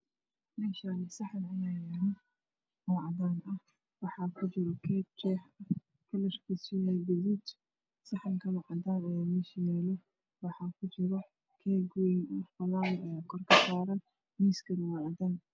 Meeshaani waxaa yaalo saxan cadaan ah waxaa ku jiro keek jeex ah kalarkisa yahay guduug saxankana cadaan ayaa meesha yaalo waxaa kaloo waxaa ku jiro keek wayn falawer ayaa kor ka saaran miiskana waa cadaan